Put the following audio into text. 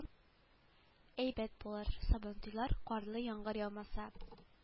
Әйбәт булыр сабантуйлар карлы яңгыр яумаса